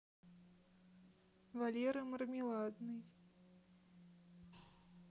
валера мармеладный